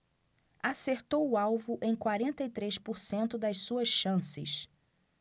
acertou o alvo em quarenta e três por cento das suas chances